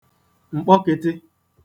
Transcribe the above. m̀kpọkị̄tị̄